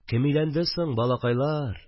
– кем өйләнде соң, балакайлар